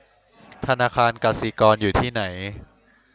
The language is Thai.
ธนาคารกสิกรอยู่ที่ไหน